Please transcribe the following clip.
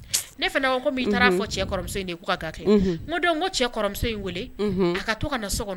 Ne fana ko komi taar'a fɔ cɛ kɔrɔmuso ye k'u ka ga kɛ, unhun, n ko donc n ko cɛ kɔrɔmuso ye n wele, unhun, a ka to ka na so